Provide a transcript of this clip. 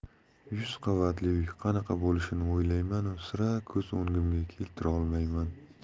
yuz qavatli uy qanaqa bo'lishini o'ylaymanu sira ko'z o'ngimga keltirolmayman